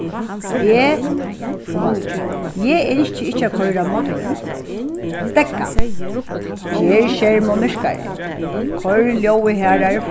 eg um aftur eg ynski ikki at koyra á motorvegnum steðga ger skermin myrkari koyr ljóðið harðari